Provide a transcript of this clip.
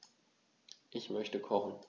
Ich möchte kochen.